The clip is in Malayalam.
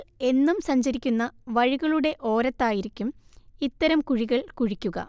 എന്നും സഞ്ചരിക്കുന്ന വഴികളുടെ ഓരത്തായിരിക്കും ഇത്തരം കുഴികൾ കുഴിക്കുക